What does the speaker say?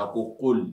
A ko koul